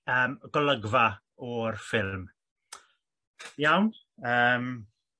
yym golygfa o'r ffilm iawn yym.